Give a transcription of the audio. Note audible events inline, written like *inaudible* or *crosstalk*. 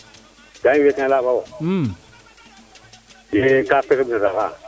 ga'a mi feeke na leya fo wo *unintelligible*